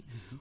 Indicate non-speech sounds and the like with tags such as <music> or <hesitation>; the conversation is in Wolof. <hesitation> <hesitation>